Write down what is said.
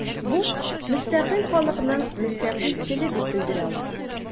Бу – мөстәкыйль халыкның мөстәкыйль теле дип белдерә алар.